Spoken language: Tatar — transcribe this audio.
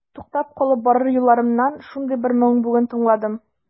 Туктап калып барыр юлларымнан шундый бер моң бүген тыңладым.